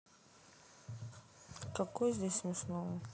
какой здесь смешного